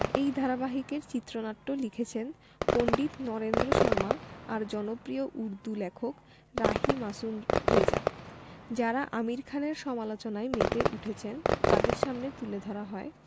এই ধারাবাহিকের চিত্রনাট্য লিখেছেন পণ্ডিত নরেন্দ্র শর্মা আর জনপ্রিয় উর্দু লেখক রাহি মাসুম রেজা যাঁরা আমির খানের সমালোচনায় মেতে উঠেছেন তাঁদের সামনে তুলে ধরা হয়